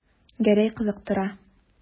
Гәрәй кызыктыра.